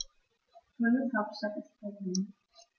Bundeshauptstadt ist Berlin.